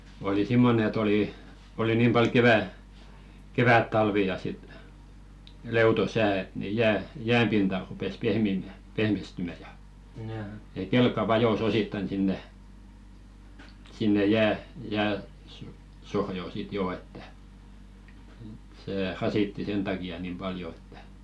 oli semmoinen että oli oli niin paljon - kevättalvi ja sitten leuto sää että niin jää jään pinta rupesi pehmiämään pehmistymään ja ja kelkka vajosi osittain sinne sinne - jääsohjoon sitten jo että se rasitti sen takia niin paljon että